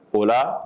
O la